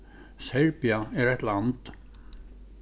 serbia er eitt land